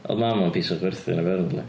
Oedd mam o'n piso chwerthin apparently.